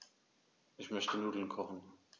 Ich möchte Nudeln kochen.